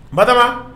Ba